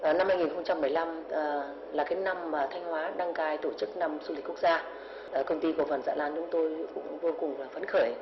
năm hai nghìn không trăm mười lăm ờ là cái năm mà thanh hóa đăng cai tổ chức năm du lịch quốc gia ờ công ty cổ phần dạ lan chúng tôi cũng vô cùng là phấn khởi